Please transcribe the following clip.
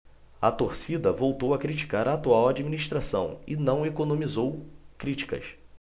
a torcida voltou a criticar a atual administração e não economizou críticas